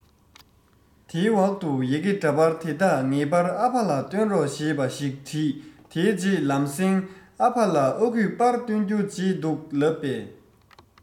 དེའི འོག ཏུ ཡི གེ འདྲ པར དེ དག ངེས པར ཨ ཕ ལ བཏོན རོགས ཞེས པ ཞིག བྲིས དེའི རྗེས ལམ སེང ཨ ཕ ལ ཨ ཁུས པར བཏོན རྒྱུ བརྗེད འདུག ལབ པས